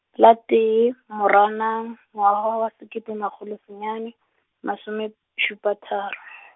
la tee Moranang, ngwaga wa sekete magolo senyane , masomešupa tharo.